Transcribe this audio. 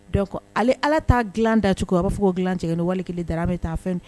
Donc hali ala ta dilan dacogo a b'a fɔ ko dilan jɛngɛnen don, wali kelen daran bɛ tan; fɛn